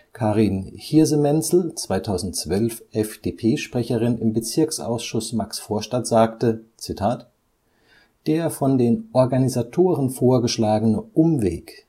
Karin Hiersemenzel, 2012 FDP-Sprecherin im Bezirksausschuss Maxvorstadt, sagte: „ Der von den Organisatoren vorgeschlagene Umweg